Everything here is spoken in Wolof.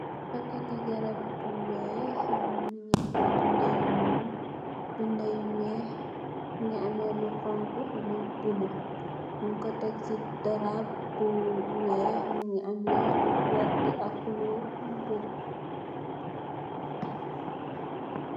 Paketti garap bu wèèx mugii ameh bindé yu ñuul, bindé yu wèèx. Mugii ameh lu xonxu lu bula ñing ko tek ci darap bu wèèx, mugii ameh lu werta ak lu barri.